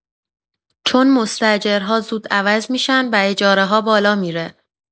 چون مستأجرها زود عوض می‌شن و اجاره‌ها بالا می‌ره.